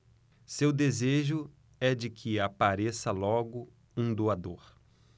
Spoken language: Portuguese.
seu desejo é de que apareça logo um doador